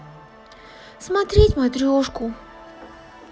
смотреть матрешку